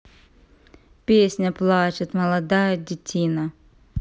песня плачет молодая детина